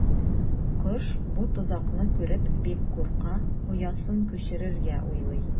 Кош бу тозакны күреп бик курка, оясын күчерергә уйлый.